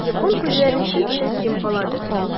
Япон күзләрен челт-челт йомгалады.